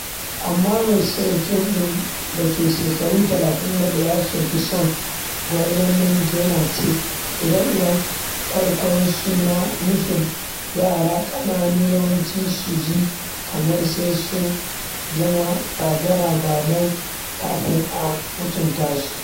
Amma mai shirin fim ɗin, da ke shekaru 31, ya soki son gwarzo namiji, yana cewa ire-iren kwaikwayon suna nufin yara ƙanana yawanci sukan ji kamar sai su zama gagara-badau kafin a mutunta su.